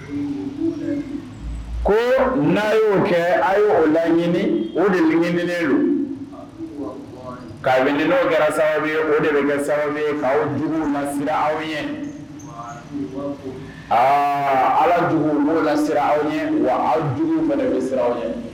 Ko n'a y'o kɛ a laɲini o deininen don kabini n' kɛra sababu ye o de bɛ sababu ye ma aw ye ala dugu n'o la siran aw ye wa aw jugu minɛ bɛ siran aw ye